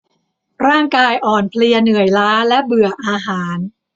ร่างกายอ่อนเพลียเหนื่อยล้าและเบื่ออาหาร